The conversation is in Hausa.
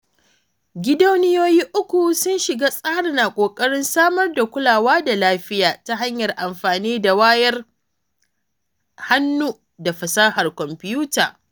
Gidauniyoyi uku sun shiga tsarin a ƙoƙarin samar da kulawa da lafiya ta hanyar amfani da wayar hannu da fasahar kwamfuta.